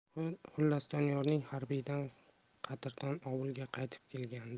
xullas doniyorning harbiydan qadrdon ovulga qaytib kelgandi